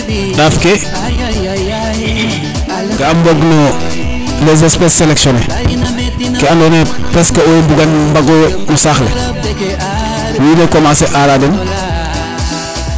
ndaaf ke ka mbog no les espece selectionner ke ando naye presque owey bugo mbago yo no saaxle wiin we commencer ara den